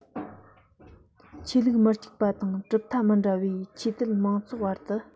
ཆོས ལུགས མི གཅིག པ དང གྲུབ མཐའ མི འདྲ བའི ཆོས དད མང ཚོགས བར དུ